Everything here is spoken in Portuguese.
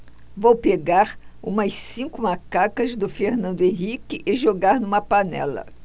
vou pegar umas cinco macacas do fernando henrique e jogar numa panela